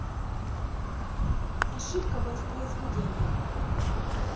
ошибка воспроизведения